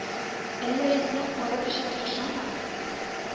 Әллә исән калыр өчен тырышамы